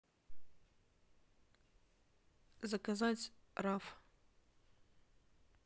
заказать раф